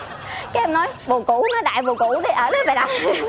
cái em nói bồ cũ nói đại bồ cũ đi ờ nói bày đặt